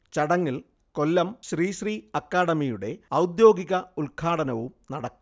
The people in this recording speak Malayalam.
ചടങ്ങിൽ കൊല്ലം ശ്രീ ശ്രീ അക്കാഡമിയുടെ ഔദ്യോഗിക ഉദ്ഘാടനവും നടക്കും